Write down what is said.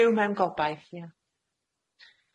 Byw mewn gobaith ia.